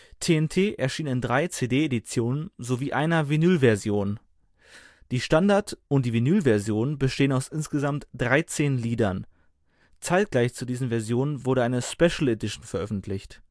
TNT erschien in drei CD-Editionen sowie einer Vinyl-Version. Die Standard - und die Vinyl-Version bestehen aus insgesamt dreizehn Liedern. Zeitgleich zu diesen Versionen wurde eine Special Edition veröffentlicht